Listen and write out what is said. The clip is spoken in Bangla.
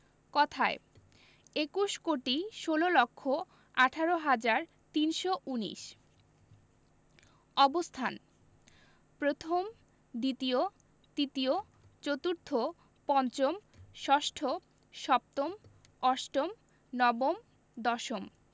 কথায়ঃ একুশ কোটি ষোল লক্ষ আঠারো হাজার তিনশো উনিশ অবস্থানঃ প্রথম দ্বিতীয় তৃতীয় চতুর্থ পঞ্চম ষষ্ঠ সপ্তম অষ্টম নবম দশম